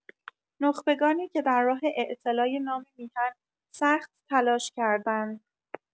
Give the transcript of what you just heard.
نخبگانی که در راه اعتلای نام میهن سخت تلاش کردند.